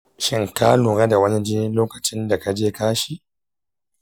shin ka lura da wani jini lokacin da ka je kashi?